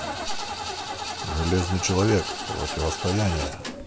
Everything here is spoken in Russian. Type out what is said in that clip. железный человек противостояние